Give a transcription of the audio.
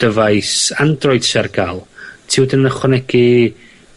dyfais Android sy ar ga'l ti yn ychwanegu